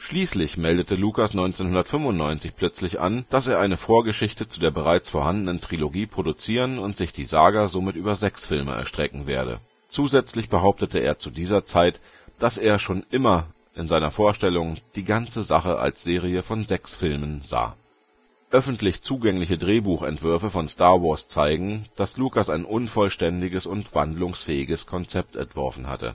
Schließlich meldete Lucas 1995 plötzlich an, dass er eine Vorgeschichte zu der bereits vorhandenen Trilogie produzieren und sich die Saga somit über sechs Filme erstrecken werde. Zusätzlich behauptete er zu dieser Zeit, dass er schon immer in seiner Vorstellung „ die ganze Sache als Serie von sechs Filmen “sah. Öffentlich zugängliche Drehbuchentwürfe von Star Wars zeigen, dass Lucas ein unvollständiges und wandlungsfähiges Konzept entworfen hatte